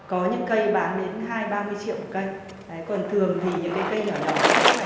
có những cây bán đến hai ba mươi triệu một cây đấy còn thường thì những cái cây nhỏ nhỏ thì cũng phải